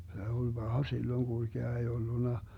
se oli paha silloin kulkea ei ollut